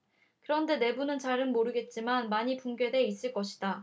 그런데 내부는 잘은 모르겠지만 많이 붕괴돼 있을 것이다